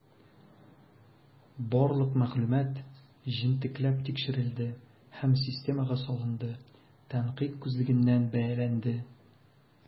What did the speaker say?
Барлык мәгълүмат җентекләп тикшерелде һәм системага салынды, тәнкыйть күзлегеннән бәяләнде.